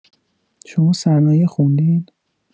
شما صنایع خوندین؟